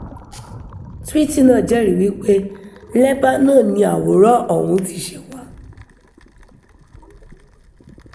Túwíìtì náà jẹ́rìí wípé Lebanon ni àwòrán ọ̀hún ti ṣẹ̀ wá.